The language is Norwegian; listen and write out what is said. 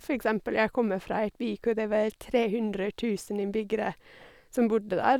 For eksempel, jeg kommer fra et by hvor det er vel tre hundre tusen innbyggere som bodde der.